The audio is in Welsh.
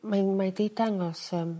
Mae'n mae 'di dangos yym